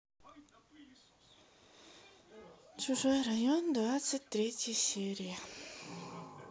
чужой район двадцать третья серия